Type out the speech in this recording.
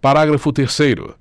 parágrafo terceiro